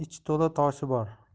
ichi to'la toshi bor